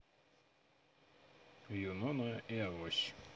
юнона и авось